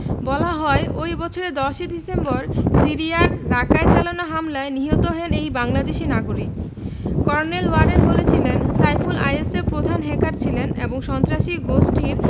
বলা হয় ওই বছরের ১০ই ডিসেম্বর সিরিয়ার রাকায় চালানো হামলায় নিহত হন এই বাংলাদেশি নাগরিক কর্নেল ওয়ারেন বলেছিলেন সাইফুল আইএসের প্রধান হ্যাকার ছিলেন এবং সন্ত্রাসী গোষ্ঠীর